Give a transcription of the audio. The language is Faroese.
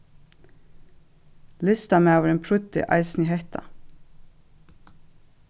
listamaðurin prýddi eisini hetta